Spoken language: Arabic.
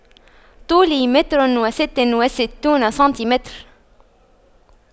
طولي متر وست وستون سنتيمتر